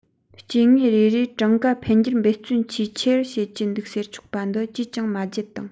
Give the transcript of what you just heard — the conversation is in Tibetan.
སྐྱེ དངོས རེ རེས གྲངས ཀ འཕེལ རྒྱུར འབད བརྩོན ཆེས ཆེར བྱེད ཀྱི འདུག ཟེར ཆོག པ འདི ཅིས ཀྱང མ བརྗེད དང